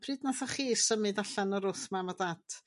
pryd nathoch chi symud allan o'r wrth mam a dat?